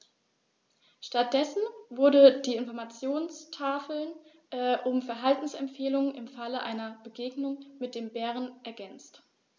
Stattdessen wurden die Informationstafeln um Verhaltensempfehlungen im Falle einer Begegnung mit dem Bären ergänzt.